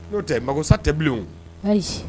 N'o tɛ mako sa tɛ bilen ayi